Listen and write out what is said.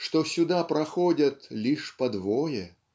что "сюда проходят лишь по двое"